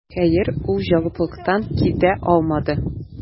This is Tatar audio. Хәер, ул җаваплылыктан китә алмады: